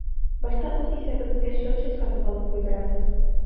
Башта үз исәбегезгә счетчик сатып алып куйдырасыз.